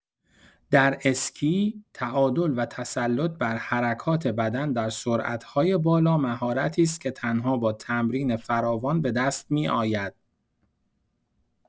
در اسکی، تعادل و تسلط بر حرکات بدن در سرعت‌های بالا مهارتی است که تنها با تمرین فراوان به دست می‌آید.